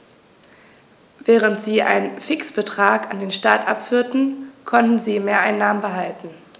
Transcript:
Während sie einen Fixbetrag an den Staat abführten, konnten sie Mehreinnahmen behalten.